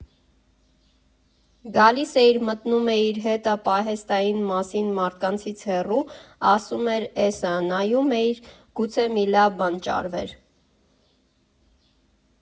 Գալիս էիր, մտնում էիր հետը պահեստային մասին, մարդկանցից հեռու, ասում էր՝ էս ա, նայում էիր, գուցե մի լավ բան ճարվեր։